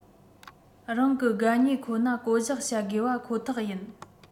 རང གི དགའ ཉེ ཁོ ན བསྐོ གཞག བྱ དགོས པ ཁོ ཐག ཡིན